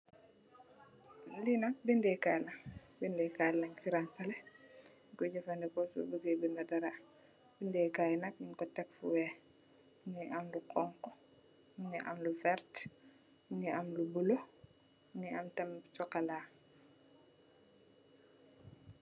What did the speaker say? Lii nak bindee kaay la, bindee kaay lanyu fi rangsale. Di ko janfandeko soo bugee binda dara. Bindee kaay yi nak, nyu ko tek fu weex, mu ng am lu xonxu, mu am lu verta, mu ngi am lu bulo, mu ngi am tamit sokolaa.